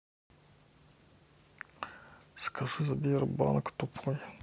скажи а сбербанк тупой